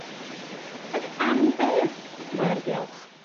Ag am beth mae'r diolch?